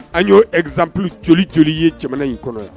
An y'o ɛz zanalip cogoli jolili ye jamana in kɔnɔ